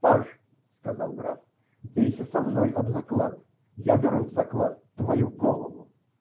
-- Паж, -- сказал граф, -- бейся со мной об заклад. Я беру в заклад твою голову.